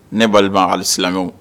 Ne balima alisilamɛw